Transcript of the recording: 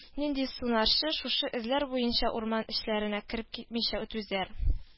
Нинди сунарчы шушы эзләр буенча урман эчләренә кереп китмичә түзәр